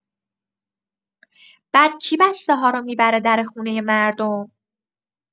بعد کی بسته‌ها رو می‌بره در خونه مردم؟